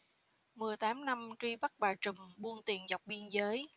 mười tám năm truy bắt bà trùm buôn tiền dọc biên giới